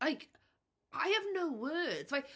I c- I have no words, like.